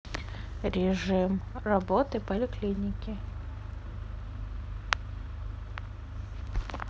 режим работы поликлиники